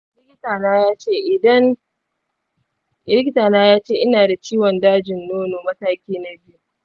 likitana ya ce ina da ciwon dajin nono mataki na biyu.